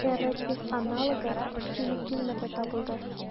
Эрратив аналогы филиппиннарда табылды.